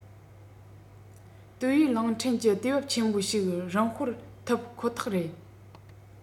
ཏེའོ ཡུས གླིང ཕྲན གྱི དུས བབ ཆེན པོ ཞིག རིམ སྤོར ཐུབ ཁོ ཐག རེད